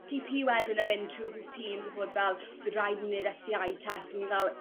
Gee Pee wedyn yn mynd trw routines a bod fel bydd raid i ni neud Ess Tee Eye test o'n i fel